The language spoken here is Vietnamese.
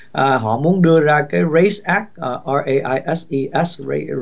à họ muốn đưa ra cái rét ác a ây ai ét ti ét